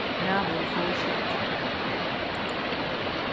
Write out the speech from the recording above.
maðurin fór so illa